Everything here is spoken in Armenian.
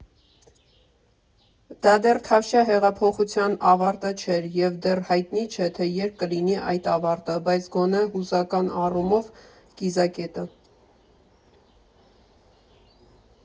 Դա դեռ թավշյա հեղափոխության ավարտը չէր (և դեռ հայտնի չէ, թե երբ կլինի այդ ավարտը), բայց գոնե հուզական առումով՝ կիզակետը։